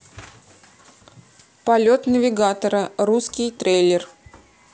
полет навигатора русский трейлер